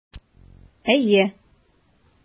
Әйе.